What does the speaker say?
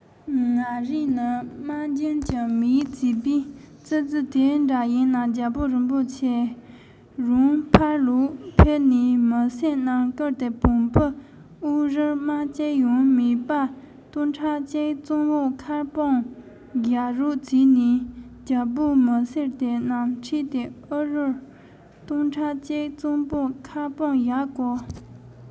ང རས ནི དམག འཇོན གྱི མེད བྱས པས ཙི ཙིས དེ འདྲ ཡིན ན རྒྱལ པོ རིན པོ ཆེ རང ཕར ལོག ཕེབས ནས མི སེར རྣམས སྐུལ ཏེ བོང བུའི ཨོག རིལ རྨ ཅིག ཡང མེད པ སྟོང ཕྲག གཅིག གཙང པོའི ཁར སྤུངས བཞག རོགས བྱས པས རྒྱལ པོས མི སེར དེ རྣམས ཁྲིད དེ ཨོག རིལ སྟོང ཕྲག གཅིག གཙང པོའི ཁར སྤུངས བཞག གོ